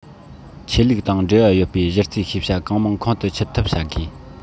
ཆོས ལུགས དང འབྲེལ བ ཡོད པའི གཞི རྩའི ཤེས བྱ གང མང ཁོང དུ ཆུད ཐབས བྱ དགོས